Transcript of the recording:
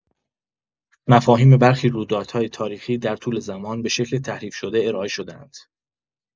مفاهیم برخی رویدادهای تاریخی در طول زمان به شکل تحریف‌شده ارائه شده‌اند.